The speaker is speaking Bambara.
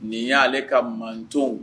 Nin y'ale ka mantow